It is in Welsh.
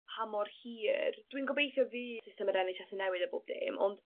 pa mor hir dwi'n gobeithio fydd system yr En Aitch Ess yn newid a bob dim ond